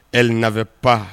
E na pan